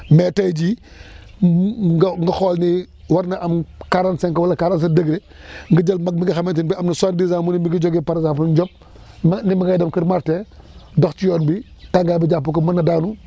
mais tey jii nga nga xool ne war na am quarante cinq wala quarante sept degré nga jël mag mi nga xamante ne bii am na soixante dix ans mu ne mu ngi jógee par exemple Ndiob ma ne ma ngay dem Kër Martin dox ci yoon bi tàngaay bi jàpp ko ma nga daanu